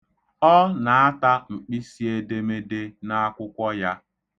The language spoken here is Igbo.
Ọ na-ata mkpịsịemede n'akwụkwọ ya.